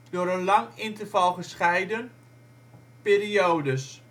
door een lang interval gescheiden periodes